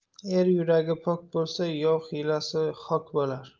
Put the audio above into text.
er yuragi pok bo'lsa yov hiylasi xok bo'lar